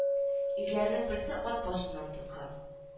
Ирләрнең берсе ат башыннан тоткан